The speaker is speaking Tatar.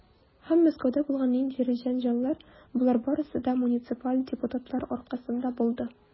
Һәм Мәскәүдә булган ниндидер җәнҗаллар, - болар барысы да муниципаль депутатлар аркасында булды.